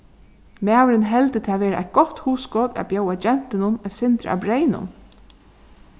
maðurin heldur tað vera eitt gott hugskot at bjóða gentunum eitt sindur av breyðnum